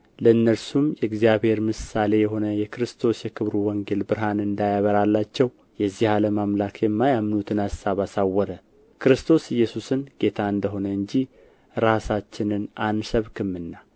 ለእነርሱም የእግዚአብሔር ምሳሌ የሆነ የክርስቶስ የክብሩ ወንጌል ብርሃን እንዳያበራላቸው የዚህ ዓለም አምላክ የማያምኑትን አሳብ አሳወረ ክርስቶስ ኢየሱስን ጌታ እንደ ሆነ እንጂ ራሳችንን አንሰብክምና